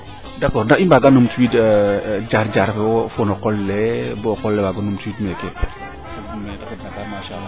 d' accord ndax i mbaaga numtu wiid jaar jaar fe wo no qol le bo o qol le waago numtu wiin neeke